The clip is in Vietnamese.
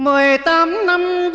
mười tám năm